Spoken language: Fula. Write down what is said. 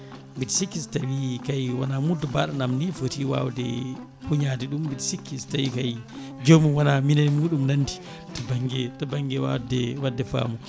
mbeɗa sikki so tawi kayi wona muddo baɗono am ni footi wawde huñaade ɗum mbeɗa sikki so tawi kayi joomum wona min e muɗum nandi to banggue to banggue wadde wadde faamo